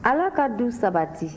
ala ka du sabati